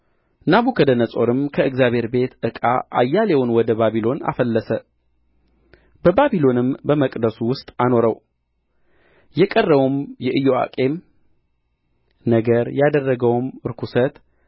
ናቡከደነፆርም ከእግዚአብሔር ቤት ዕቃ አያሌውን ወደ ባቢሎን አፈለሰ በባቢሎንም በመቅደሱ ውስጥ አኖረው የቀረውም የኢዮአቄም ነገር ያደረገውም ርኵሰት